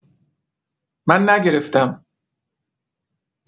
من نگرفتم